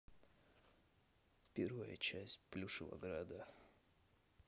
первая часть плюшево града